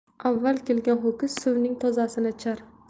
avval kelgan ho'kiz suvning tozasini ichar